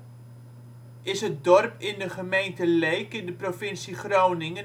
dorp in de gemeente Leek in de provincie Groningen